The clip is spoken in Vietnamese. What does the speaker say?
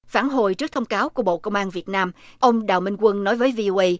phản hồi trước thông cáo của bộ công an việt nam ông đào minh quân nói với vi ô ây